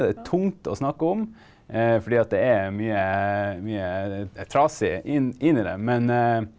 det er tungt å snakke om fordi at det er mye mye trasig inni det men .